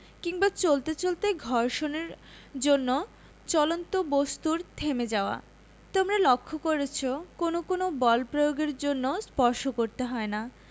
কিংবা চলতে চলতে ঘর্ষণের জন্য চলন্ত বস্তুর থেমে যাওয়া তোমরা লক্ষ করেছ কোনো কোনো বল প্রয়োগের জন্য স্পর্শ করতে হয় না